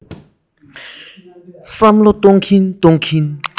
བསམ བློ གཏོང གིན གཏོང གིན